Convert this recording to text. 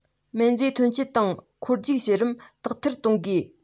སྨན རྫས ཐོན སྐྱེད དང འཁོར རྒྱུག བྱེད རིམ དག ཐེར གཏོང དགོས